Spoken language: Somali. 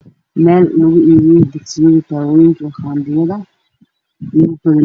Mel lakuibiyo digsiyo io tawoyin io qadoyinka